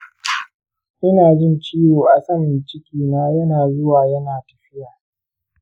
ina jin ciwon a saman ciki na yana zuwa yana tafiya.